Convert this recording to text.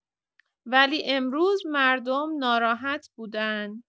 ولی امروز مردم ناراحت بودن.